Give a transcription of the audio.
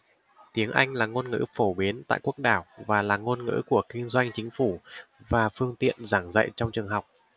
tiếng anh là ngôn ngữ phổ biến tại quốc đảo và là ngôn ngữ của kinh doanh chính phủ và là phương tiện giảng dạy trong trường học